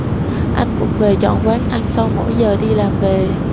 anh vụng về chọn quán ăn sau mỗi giờ đi làm về